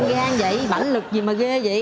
gan dậy mãnh lực gì mà ghê dậy